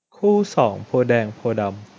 คู่สองโพธิ์แดงโพธิ์ดำ